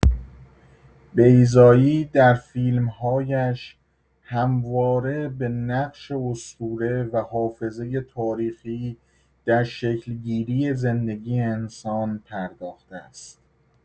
بیضایی در فیلم‌هایش همواره به نقش اسطوره و حافظه تاریخی در شکل‌گیری زندگی انسان پرداخته است.